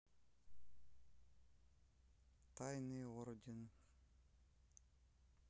тайный орден